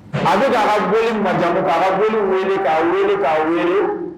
Al bɛk'a ka bɔli majamu k'a weele k'a weele k'a weele